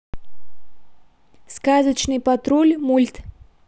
сказочный патруль мульт